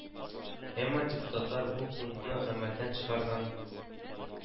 Әмма депутатлар бу пунктны гамәлдән чыгарган